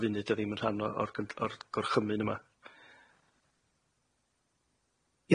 y funud 'di o ddim yn rhan o o'r gyn- o'r gorchymyn yma.